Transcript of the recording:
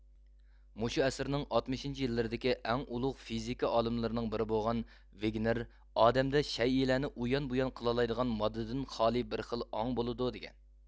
مۇشۇ ئەسىرنىڭ ئاتمىشىنچى يىللىرىدىكى ئەڭ ئۇلۇغ فىزىكا ئالىملىرىنىڭ بىرى بولغان ۋىگنېر ئادەمدە شەيئىلەرنى ئۇيان بۇيان قىلالايدىغان ماددىدىن خالى بىر خىل ئاڭ بولىدۇ دىگەن